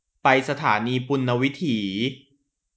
ไปสถานีปุณณวิถี